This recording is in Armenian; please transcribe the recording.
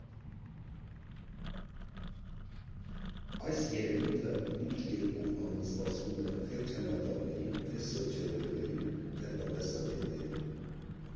Այս երևույթը լուրջ կերպով անհանգստացնում է թե՛ քննադատներին, թե՛ սոցիոլոգներին, թե՛ տնտեսագետներին։